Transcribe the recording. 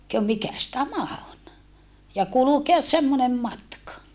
kun mikäs tämä on ja kulkea semmoinen matka